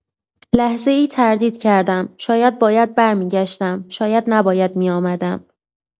لحظه‌ای تردید کردم، شاید باید برمی‌گشتم، شاید نباید می‌آمدم.